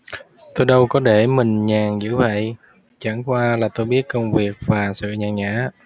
tôi đâu có để mình nhàn dữ vậy chẳng qua là tôi biết công việc và sự nhàn nhã